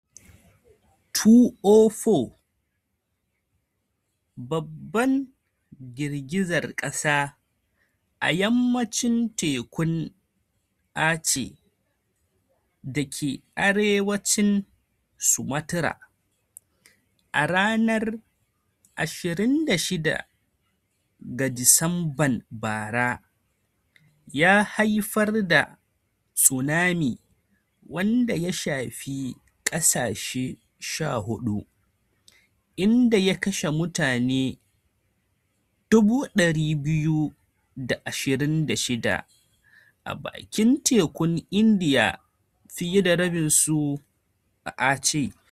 2004: Babban girgizar kasa a yammacin tekun Aceh dake arewacin Sumatra a ranar 26 ga Disamban bara ya haifar da tsunami wanda ya shafi kasashe 14, inda ya kashe mutane 226,000 a bakin tekun Indiya, fiye da rabin su a Aceh.